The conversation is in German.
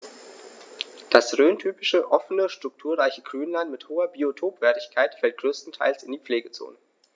Das rhöntypische offene, strukturreiche Grünland mit hoher Biotopwertigkeit fällt größtenteils in die Pflegezone.